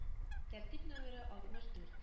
Тәртип номеры - алтмыш дүрт